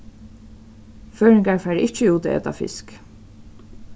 føroyingar fara ikki út at eta fisk